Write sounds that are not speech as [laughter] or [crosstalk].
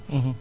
[hesitation] [hesitation]